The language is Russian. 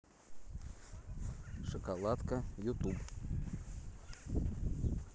шоколадка ютуб